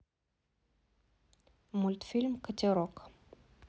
мультфильм катерок